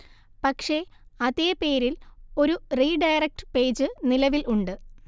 പക്ഷെ അതേ പേരിൽ ഒരു റീഡയറക്ട് പേജ് നിലവിൽ ഉണ്ട്